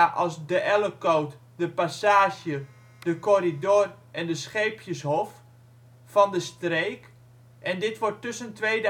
als de Ellekoot, de Passage, De Corridor en de Scheepjeshof) van de streek en dit wordt tussen 2007 en 2010